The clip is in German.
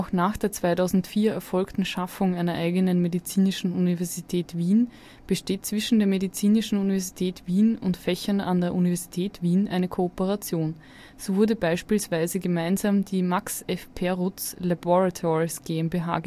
nach der 2004 erfolgten Schaffung einer eigenen Medizinischen Universität Wien besteht zwischen der Medizinischen Universität Wien und Fächern an der Universität Wien eine Kooperation: so wurde beispielsweise gemeinsam die Max F. Perutz Laboratories GmbH gegründet